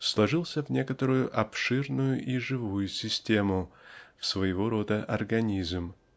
-- сложился в некоторую обширную и живую систему в своего рода организм